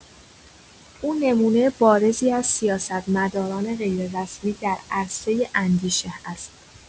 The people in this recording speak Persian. او نمونه بارزی از سیاست‌مداران غیررسمی در عرصه اندیشه است.